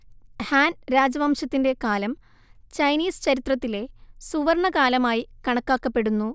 Han രാജവംശത്തിന്റെ കാലം Chinese ചരിത്രത്തിലെ സുവർണ്ണകാലമായി കണക്കാക്കപ്പെടുന്നു